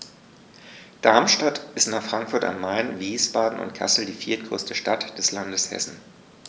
Darmstadt ist nach Frankfurt am Main, Wiesbaden und Kassel die viertgrößte Stadt des Landes Hessen